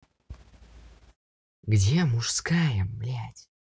где мужская блядь